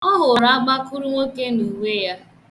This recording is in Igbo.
Ọ hụrụ agbakụrụnwoke n'uwe ya.